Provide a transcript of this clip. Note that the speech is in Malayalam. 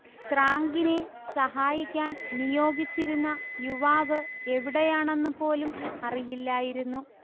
സ്രാങ്കിനെ സഹായിക്കാൻ നിയോഗിച്ചിരുന്ന യുവാവ് എവിടെയാണെന്നു പോലും അറിയില്ലായിരുന്നു